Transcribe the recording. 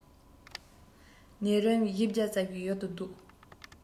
ནད རིམས བཞི བརྒྱ རྩ བཞི ཡུལ དུ བཟློག